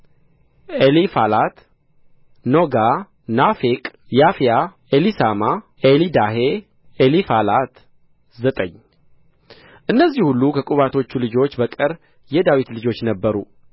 ኤሊፋላት ኖጋ ናፌቅ ያፍያ ኤሊሳማ ኤሊዳሄ ኤሊፋላት ዘጠኝ እነዚህ ሁሉ ከቁባቶች ልጆች በቀር የዳዊት ልጆች ነበሩ